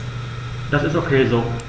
Das ist ok so.